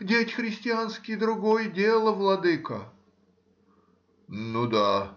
— Дети христианские другое дело, владыко. — Ну да